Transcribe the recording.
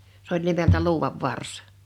se oli nimeltä luudan varsi